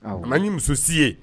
Man ni muso si ye